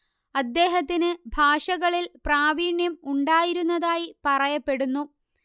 അദ്ദേഹത്തിന് ഭാഷകളിൽ പ്രാവീണ്യം ഉണ്ടായിരുന്നതായി പറയപ്പെടുന്നു